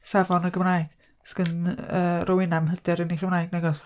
Safon y Gymraeg, 'sgen, yy Rowena'm hyder yn 'i Chymraeg nag oes?